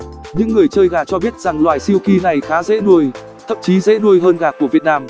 những người chơi gà cho biết rằng loài silkie này khá dễ nuôi thậm chí dễ nuôi hơn gà của việt nam